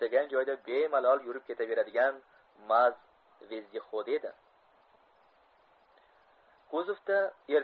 istagan joyda bemalol yurib ketaveradigan maz vezdexodi edi